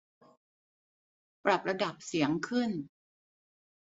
ปรับระดับเสียงขึ้น